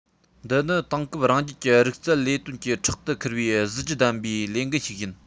འདི ནི དེང སྐབས རང རྒྱལ གྱི རིག རྩལ ལས དོན པའི ཕྲག ཏུ འཁུར བའི གཟི བརྗིད ལྡན པའི ལས འགན ཞིག ཡིན